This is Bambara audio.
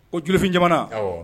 Ko jolifin jamana